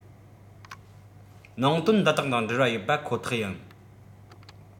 ནང དོན འདི དག དང འབྲེལ བ ཡོད པ ཁོ ཐག ཡིན